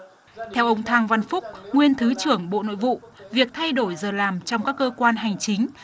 theo ông thang văn phúc nguyên thứ trưởng bộ nội vụ việc thay đổi giờ làm trong các cơ quan hành chính